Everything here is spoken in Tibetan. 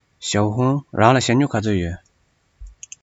ཞའོ ཧུང རང ལ ཞྭ སྨྱུག ག ཚོད ཡོད